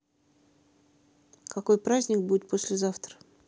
какой праздник будет послезавтра